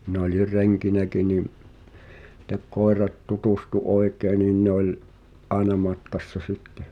minä olin renkinäkin niin sitten koirat tutustui oikein niin ne oli aina matkassa sitten